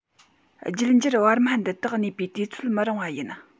རྒྱུད འགྱུར བར མ འདི དག གནས པའི དུས ཚོད མི རིང བ ཡིན